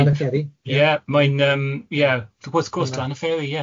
Ie mae'n yym ie wrth gwrs lan y fferi ie.